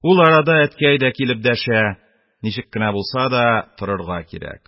Ул арада әткәй дә килеп дәшә, ничек кенә булса да торырга кирәк.